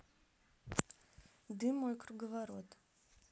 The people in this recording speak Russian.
дым мой круговорот